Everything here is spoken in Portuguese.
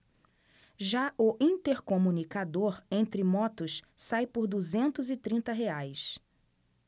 já o intercomunicador entre motos sai por duzentos e trinta reais